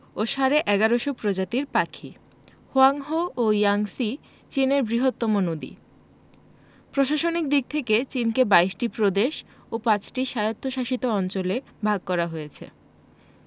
ও সাড়ে ১১শ প্রজাতির পাখি হোয়াংহো ও ইয়াংসি চীনের বৃহত্তম নদী প্রশাসনিক দিক থেকে চিনকে ২২ টি প্রদেশ ও ৫ টি স্বায়ত্তশাসিত অঞ্চলে ভাগ করা হয়েছে